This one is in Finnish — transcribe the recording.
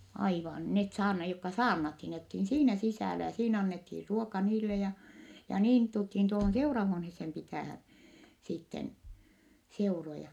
aivan ne - jotka saarnattiin ne oltiin siinä sisällä ja siinä annettiin ruoka niille ja ja niin tultiin tuohon seurahuoneeseen pitämään sitten seuroja